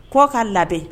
Kɔ' ka labɛn